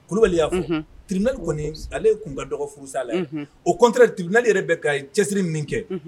Kulubali y'a fɔ, unhun, tribunal kɔni ale tun ka dɔgɔ furusa la, unhun, au contrair,e tribunal yɛrɛ bɛ ka cɛsiriri min kɛ!